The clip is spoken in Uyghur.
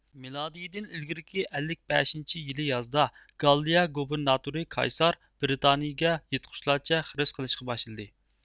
مىلادىيىدىن ئىلگىرىكى ئەللىك بەشىنچى يىلى يازدا گاللىيە گوبىرناتورى كايسار برىتانىيىگە يىرتقۇچلارچە خىرىس قىلىشقا باشلىدى